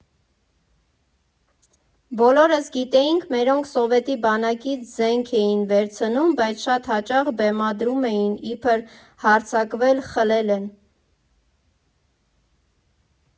Բոլորս գիտեինք՝ մերոնք Սովետի բանակից զենք էին վերցնում, բայց շատ հաճախ բեմադրում էին՝ իբր հարձակվել, խլել են։